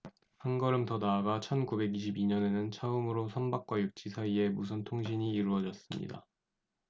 한 걸음 더 나아가 천 구백 이십 이 년에는 처음으로 선박과 육지 사이에 무선 통신이 이루어졌습니다